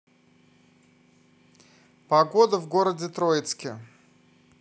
погода в городе троицке